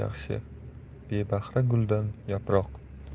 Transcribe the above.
yaxshi bebahra guldan yaproq